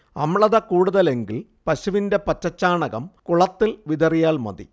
അമ്ലത കൂടുതലെങ്കിൽ പശുവിന്റെ പച്ചച്ചാണകം കുളത്തിൽ വിതറിയാൽമതി